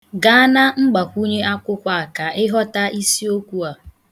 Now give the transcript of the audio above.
Gaa na mgbakwunye akwụkwọ a ka ị ghọta isiokwu a.